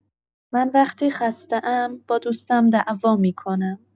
من وقتی خسته‌ام با دوستم دعوا می‌کنم.